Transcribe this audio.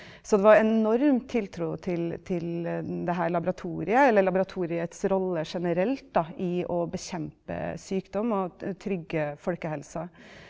så det var enorm tiltro til til det her laboratoriet, eller laboratoriets rolle generelt da i å bekjempe sykdom og trygge folkehelsa.